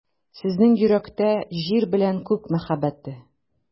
Сезнең йөрәктә — Җир белә Күк мәхәббәте.